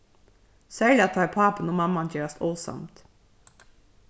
serliga tá ið pápin og mamman gerast ósamd